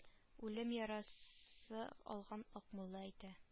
Үлем ярасы алган акмулла әйтә